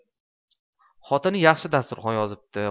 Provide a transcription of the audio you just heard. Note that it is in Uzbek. xotini yaxshi dasturxon yozibdi